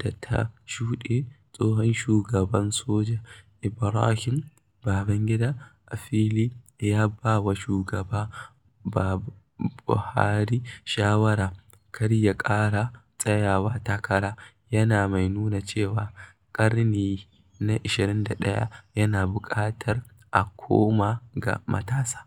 da ta shuɗe, tsohon shugaban soja, Ibrahim Babangida a fili ya ba wa shugaba Buhari shawarar kar ya ƙara tsayawa takara, yana mai nuna cewa ƙarni na 21 yana buƙatar a koma ga matasa.